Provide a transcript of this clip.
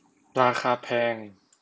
ราคาแพง